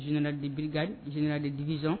Zina de bi zina de digisɔn